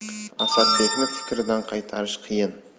asadbekni fikridan qaytarish qiyin